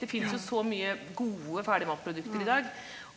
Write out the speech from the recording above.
det fins jo så mye gode ferdigmatprodukter i dag.